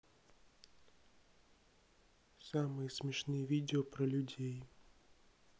самые смешные видео про людей